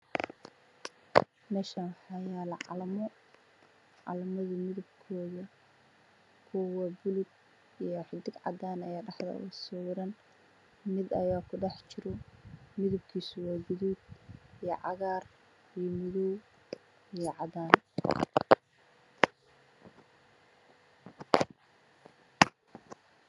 Meeshaan waxaa yaalo calamo midabkooda waa buluug xidig cadaan ah ayaa dhexda oga taala, mid ayaa kudhex jiro midabkiisu waa gaduud, cagaar iyo madow iyo cadaan.